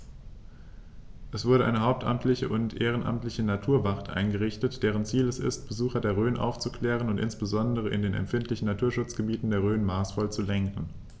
Es wurde eine hauptamtliche und ehrenamtliche Naturwacht eingerichtet, deren Ziel es ist, Besucher der Rhön aufzuklären und insbesondere in den empfindlichen Naturschutzgebieten der Rhön maßvoll zu lenken.